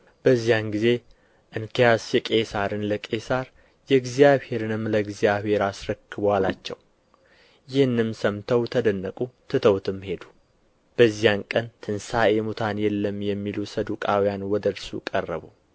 በዚያን ጊዜ እንኪያስ የቄሣርን ለቄሣር የእግዚአብሔርንም ለእግዚአብሔር አስረክቡ አላቸው ይህንም ሰምተው ተደነቁ ትተውትም ሄዱ በዚያን ቀን ትንሣኤ ሙታን የለም የሚሉ ሰዱቃውያን ወደ እርሱ ቀረቡ